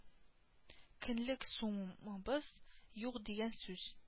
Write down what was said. Көнлек сумыбыз юк дигән сүз